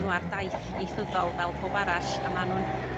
n'w ar daith ieithyddol fel powb arall a ma' n'w'n